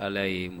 Ala ye